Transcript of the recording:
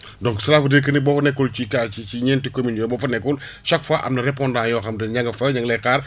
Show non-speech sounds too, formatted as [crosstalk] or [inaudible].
[breath] donc celà veut dire que ni boo nekkul ci qua ci ci ñeenti communes yooyu boo fa nekkul [breath] chaque fois am na répondant yoo xam te ne ña nga fa ña nga lay xaar